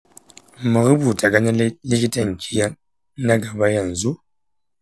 mu rubuta ganin likitanki na gaba yanzu?